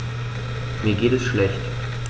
Mir geht es schlecht.